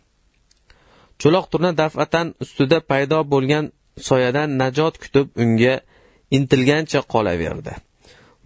cho'loq turna daf'atan ustida paydo bo'lgan soyadan najot kutib unga intilgancha qolaverdi